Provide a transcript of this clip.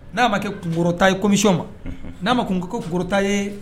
N'a ma kɛ kunkɔrɔta ye commission n'a ma kun kɔrɔta ye